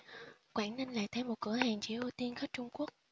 quảng ninh lại thêm một cửa hàng chỉ ưu tiên khách trung quốc